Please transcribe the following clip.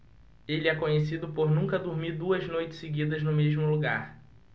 ele é conhecido por nunca dormir duas noites seguidas no mesmo lugar